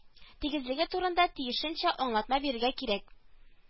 Тигезлеге турында тиешенчә аңлатма бирергә кирәк